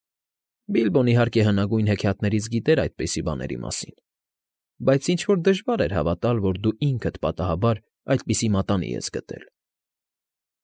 Բիլբոն, իհարկե, հնագույն հեքիաթներից գիտեր այդպիսի բաների մասին, բայց ինչ֊որ դժվար էր հավատալ, որ դու ինքդ պատահաբար այդպիսի մատանի ես գտել։